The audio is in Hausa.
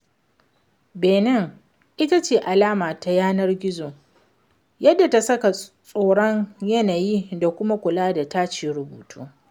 #Bénin ita ce alama ta yanar gizo, wadda ta saka tsoron yanayi da kuma kula da tace rubutu.